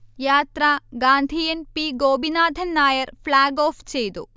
യാത്ര Gandhian P Gopinathan Nair flag off ചെയ്തു